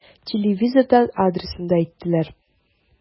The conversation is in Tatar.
Телевизордан адресын да әйттеләр.